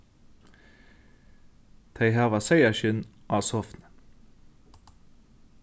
tey hava seyðaskinn á sofuni